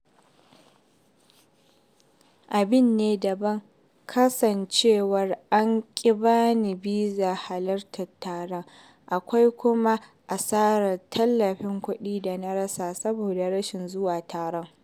Abu ne dabam kasancewar an ƙi ba ni bizar halartar taron, akwai kuma asarar tallafin kuɗi da na rasa saboda rashin zuwa taron.